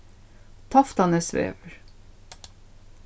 toftanesvegur